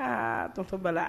Aa tɔntɔn Bala